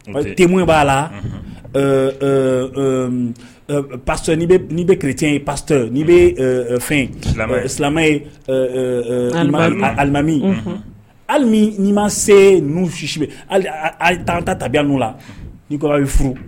Temo b'a la pa n'i bɛ kerec ye pa n'i bɛ fɛn ye alilimami n'i ma se n'u susi hali ali tan ta tabi n'u la nii kɔrɔ bɛ furu